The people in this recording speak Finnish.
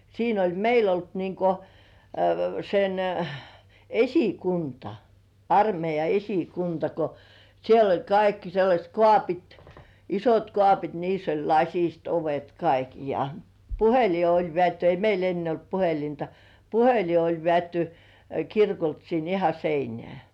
siinä oli meillä ollut niin kuin sen esikunta armeija esikunta kun siellä oli kaikki sellaiset kaapit isot kaapit niissä oli lasiset ovet kaikki ja puhelin oli vedetty ei meillä ennen ollut puhelinta puhelin oli vedetty kirkolta sinne ihan seinään